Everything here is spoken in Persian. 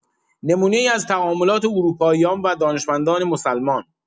نمونه‌ای از تعاملات اروپاییان و دانشمندان مسلمان